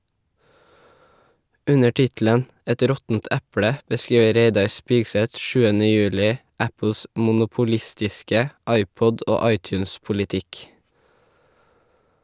Under tittelen "Et råttent eple" beskriver Reidar Spigseth 7. juli Apples monopolistiske iPod- og iTunes-politikk.